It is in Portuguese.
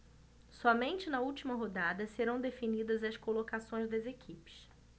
somente na última rodada serão definidas as colocações das equipes